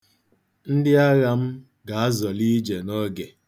Ndị agha m ga-azọli ije n'oge.